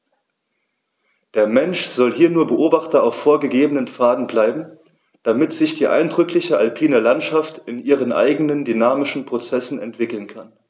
Der Mensch soll hier nur Beobachter auf vorgegebenen Pfaden bleiben, damit sich die eindrückliche alpine Landschaft in ihren eigenen dynamischen Prozessen entwickeln kann.